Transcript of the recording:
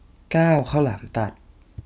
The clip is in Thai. เก้าข้าวหลามตัด